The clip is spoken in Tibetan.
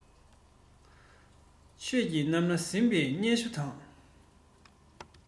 ཆོས ཀྱི ལམ སྣ ཟིན པའི སྙན ཞུ དང